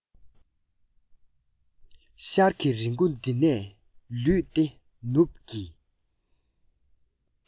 ཤར གྱི རི མགོ འདི ནས ལུས ཏེ ནུབ ཀྱི